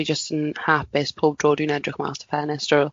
Fi jyst yn hapus pob tro dwi'n edrych mas o ffenestr